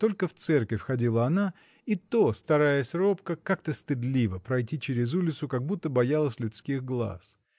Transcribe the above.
только в церковь ходила она, и то стараясь робко, как-то стыдливо, пройти через улицу, как будто боялась людских глаз.